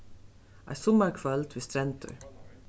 eitt summarkvøld við strendur